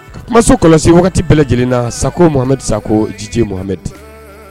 Kumaso kɔlɔsi wadatin lajɛlenna sakoɔ Muhamad Sakɔ D.J